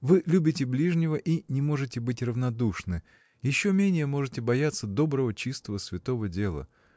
Вы любите ближнего и не можете быть равнодушны, еще менее можете бояться доброго, чистого, святого дела.